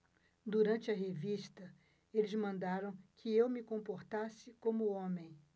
durante a revista eles mandaram que eu me comportasse como homem